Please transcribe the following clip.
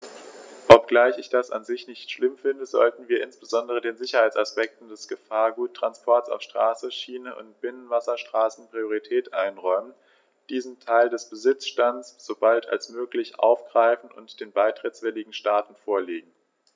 Obgleich ich das an sich nicht schlimm finde, sollten wir insbesondere den Sicherheitsaspekten des Gefahrguttransports auf Straße, Schiene und Binnenwasserstraßen Priorität einräumen, diesen Teil des Besitzstands so bald als möglich aufgreifen und den beitrittswilligen Staaten vorlegen.